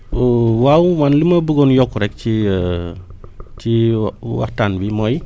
waaw man li ma buggoon yokk rek ci ci waxtaan wi mooy